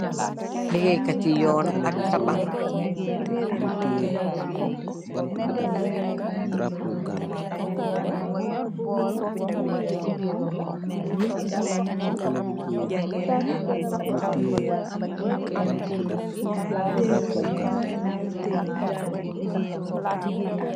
Ligeey kat i yoon ak tabax